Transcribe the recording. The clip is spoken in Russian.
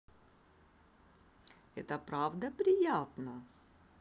это правда приятно